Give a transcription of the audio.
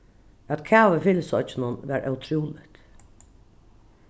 at kava í filipsoyggjum var ótrúligt